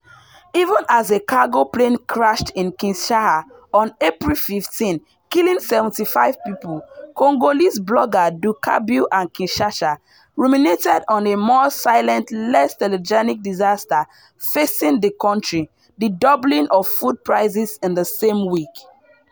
Even as a cargo plane crashed in Kinshasa on April 15 killing 75 people, Congolese blogger Du Cabiau à Kinshasa, ruminated on a more silent, less telegenic disaster facing the country: the doubling of food prices in the same week.